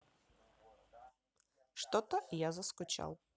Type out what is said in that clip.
что то я заскучал